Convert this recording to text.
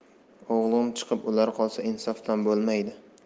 o'g'lim chiqib ular qolsa insofdan bo'lmaydi